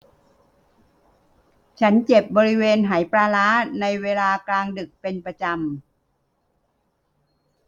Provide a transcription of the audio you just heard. ฉันเจ็บบริเวณไหปลาร้าในเวลากลางดึกเป็นประจำ